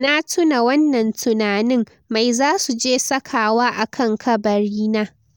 Na tuna wannan tunanin, mai zasu je sakawa akan kabarina?